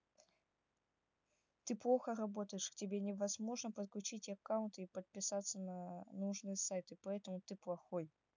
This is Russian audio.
ты плохо работаешь к тебе невозможно подключить аккаунты и подписаться на нужные сайты поэтому ты плохой